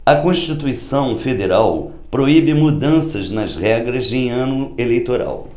a constituição federal proíbe mudanças nas regras em ano eleitoral